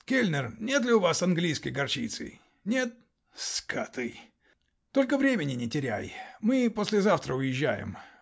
Кельнер, нет ли у вас английской горчицы? Нет? Скоты! Только времени не теряй. Мы послезавтра уезжаем.